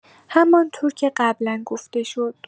همان‌طور که قبلا گفته شد.